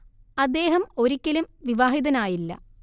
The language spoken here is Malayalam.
അദ്ദേഹം ഒരിക്കലും വിവാഹിതനായില്ല